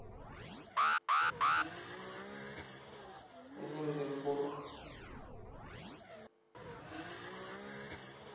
гинденбург